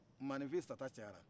maaninfin sata cayara